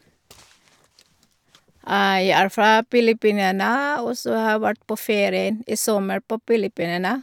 Jeg er fra Filippinene, og så har vært på ferien i sommer på Filippinene.